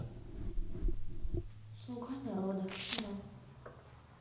слуга народа кино